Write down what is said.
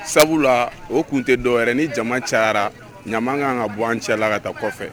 Sabula o tun tɛ dɔw wɛrɛ ni jama cayara ɲama kan ka bɔ an cɛ la ka taa kɔfɛ